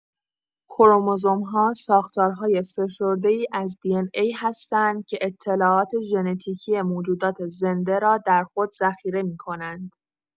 کروموزوم‌ها ساختارهای فشرده‌ای از دی‌ان‌ای هستند که اطلاعات ژنتیکی موجودات زنده را در خود ذخیره می‌کنند.